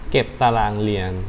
เก็บตารางเรียน